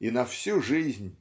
и на всю жизнь